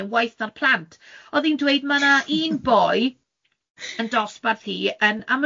yn waeth na'r plant. O'dd hi'n dweud ma' un boi, yn dosbarth hi yn,